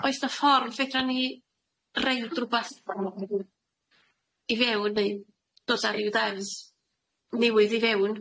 Yy oes na ffordd fedra ni roid rwbath i fewn, neu os na ryw ddeddfs newydd i fewn?